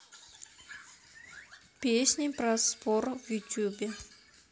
песни про спор в ютубе